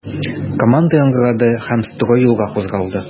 Команда яңгырады һәм строй юлга кузгалды.